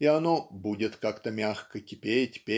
и оно "будет как-то мягко кипеть